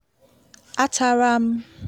Atara m!'